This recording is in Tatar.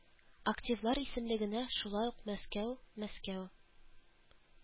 Активлар исемлегенә, шулай ук, мәскәү, мәскәү